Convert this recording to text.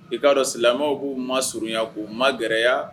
I'a dɔn silamɛ k'u ma surunya k'u ma gɛrɛya